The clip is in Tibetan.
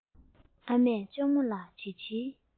ཨ མས གཅུང མོ ལ བྱིལ བྱིལ